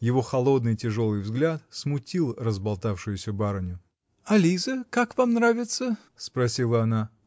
Его холодный, тяжелый взгляд смутил разболтавшуюся барыню. -- А Лиза как вам нравится? -- спросила она.